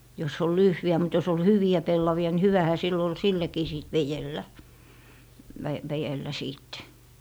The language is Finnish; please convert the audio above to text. jos oli lyhyitä mutta jos oli hyviä pellavia niin hyvähän sillä oli sitäkin sitten vedellä - vedellä sitten